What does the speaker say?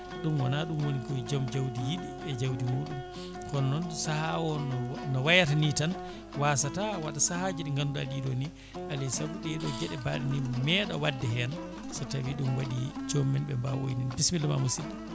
ɗum wona ɗum ko joom jawdi yiiɗi e jawdi muɗum kono noon saaha o no wayata ni tan wasata waɗa saahaji ɗi gadnuɗa ɗivo ni alay saago ɗeeɗo gueɗe mbaɗe ni meeɗa wadde hen so tawi ɗum waɗi jomumen ɓe mbawa * bisimillama musidɗo